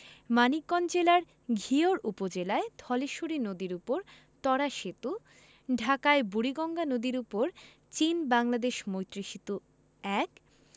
মানিকগঞ্জ জেলার ঘিওর উপজেলায় ধলেশ্বরী নদীর উপর ত্বরা সেতু ঢাকায় বুড়িগঙ্গা নদীর উপর চীন বাংলাদেশ মৈত্রী সেতু ১